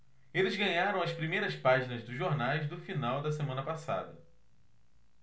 eles ganharam as primeiras páginas dos jornais do final da semana passada